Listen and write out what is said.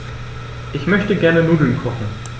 Ich möchte gerne Nudeln kochen.